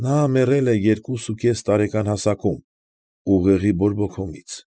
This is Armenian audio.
Նա մեռել է երկուսուկես տարեկան հասակում՝ ուղեղի բորբոքումից։